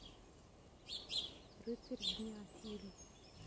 рыцарь дня фильм